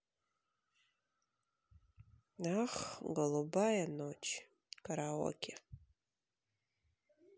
ах голубая ночь караоке